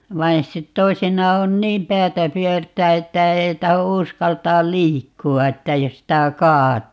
vaan sitten toisinaan on niin päätä pyörtää että ei tahdo uskaltaa liikkua että jos sitä kaatuu